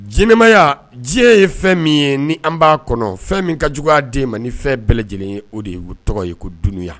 Ɲɛnamaya diɲɛ ye fɛn min ye ni an b'a kɔnɔ fɛn min ka jugu a den ma ni fɛn bɛɛ lajɛlen ye o de ye tɔgɔ ye ko dununya